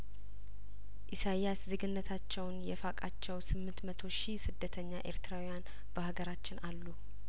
ኢሳያስ ዜግነታቸውን የፋቃቸው ስምንት መቶ ሺህ ስደተኛ ኤርትራውያን በሀገራችን አሉ